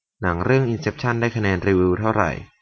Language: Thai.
หนังเรื่องอินเซปชั่นได้คะแนนรีวิวเท่าไหร่